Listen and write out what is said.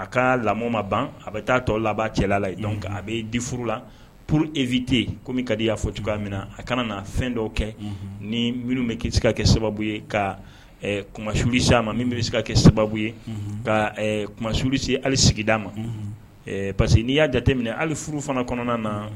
A ka lamɔ ma ban a bɛ taa tɔ laban cɛla la a bɛ di furu la p e vte kɔmi ka di y'a fɔ cogoya min a kana na fɛn dɔw kɛ ni minnu bɛ' se ka kɛ sababu ye ka kussi a ma min bɛ se ka kɛ sababu ye ka kusuurusi hali sigi d'a ma pa parce que n'i y'a jateminɛ ali furu fana kɔnɔna na